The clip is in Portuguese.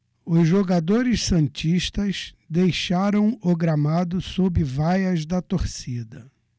os jogadores santistas deixaram o gramado sob vaias da torcida